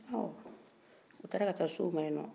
ɔɔ u taara ka taa se u ma yen nɔ